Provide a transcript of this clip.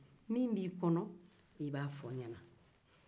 min b'i kɔnɔ a fɔ n ɲɛna